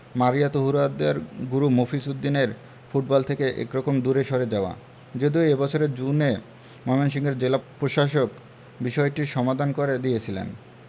মারিয়া তহুরাদের গুরু মফিজ উদ্দিনের ফুটবল থেকে একরকম দূরে সরে যাওয়া যদিও এ বছরের জুনে ময়মনসিংহের জেলা প্রশাসক বিষয়টির সমাধান করে দিয়েছিলেন